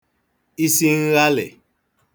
isi nghalị̀